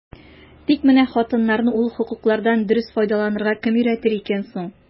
Тик менә хатыннарны ул хокуклардан дөрес файдаланырга кем өйрәтер икән соң?